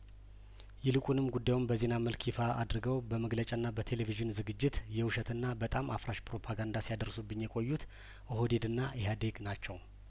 ይልቁንም ጉዳዩን በዜና መልክ ይፋ አድርገው በመግለጫና በቴሌቪዥን ዝግጅት የውሸትና በጣም አፍራሽ ፕሮፓጋንዳ ሲያደርሱብኝ የቆዩት ኦህዲ ድና ኢህአዴግ ናቸው